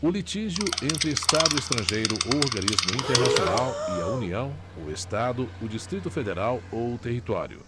o litígio entre estado estrangeiro ou organismo internacional e a união o estado o distrito federal ou o território